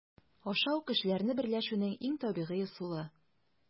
Ашау - кешеләрне берләшүнең иң табигый ысулы.